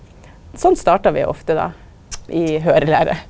sånn startar vi ofte då i høyrelære.